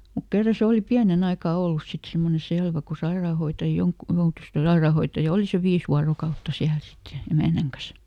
mutta kerran se oli pienen aikaa ollut sitten semmoinen selvä kun -- joutui kyllä sairaanhoitaja oli sen viisi vuorokautta siellä sitten ja emännän kanssa